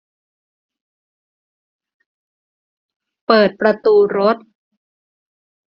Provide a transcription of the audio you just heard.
เปิดประตูรถ